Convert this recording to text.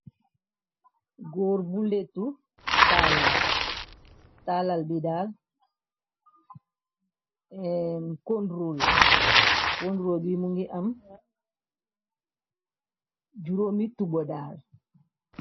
Góor bu lettu taalal, taalal bi daal conrul conrule bimu ngi am 5 tuba daal.